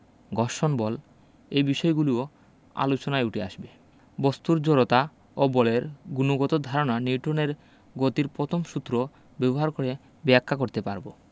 ঘর্ষণ বল এই বিষয়গুলোও আলোচনায় উঠে আসবে বস্তুর জড়তা ও বলের গুণগত ধারণা নিউটনের গতির প্রথম সূত্র ব্যবহার করে ব্যাখ্যা করতে পারব